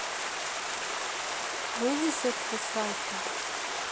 выйти с этого сайта